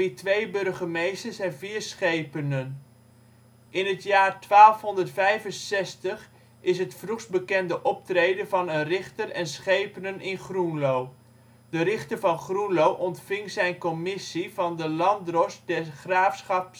twee burgemeesters en vier schepenen. In het jaar 1265 is het vroegst bekende optreden van een richter en schepenen in groenlo. De richter van Groenlo ontving zijn commissie van de landdrost der Graafschap